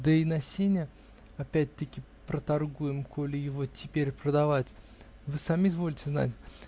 Да и на сене опять-таки проторгуем, коли его теперь продавать, вы сами изволите знать.